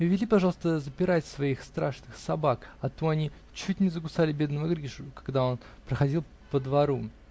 -- Вели, пожалуйста, запирать своих страшных собак, а то они чуть не закусали бедного Гришу, когда он проходил по двору.